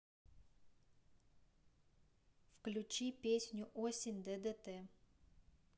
включи песню осень ддт